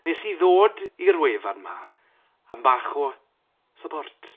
Nes i ddod i'r wefan 'ma am bach o support.